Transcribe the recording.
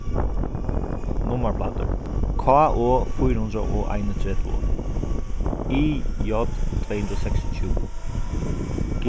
nummarplátur k o fýra hundrað og einogtretivu i j tvey hundrað og seksogtjúgu